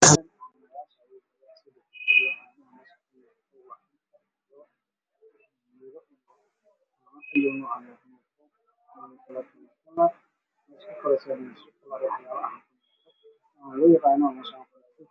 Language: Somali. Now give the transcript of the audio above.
Meeshan waxaa yaalo ansixiyada caana boora mid waa buluug midka kalana waa jaalo